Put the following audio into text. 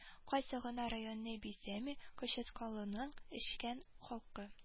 Кайсы гына районны бизәми кычытканлының эшчән халкы